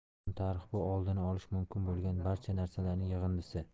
jahon tarixi bu oldini olish mumkin bo'lgan barcha narsalarning yig'indisi